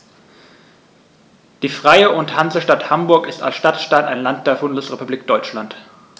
Die Freie und Hansestadt Hamburg ist als Stadtstaat ein Land der Bundesrepublik Deutschland.